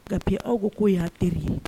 Kapi aw ko k'o y'aw teri ye.